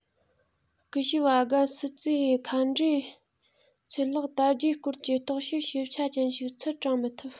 སྐུ ཞབས ཨ དགའ སི ཛི ཡིས ཁ དབྲག ཚེར ལག དར རྒྱས སྐོར གྱི རྟོག དཔྱོད ཞིབ ཆ ཅན ཞིག ཚུར དྲངས མི ཐུབ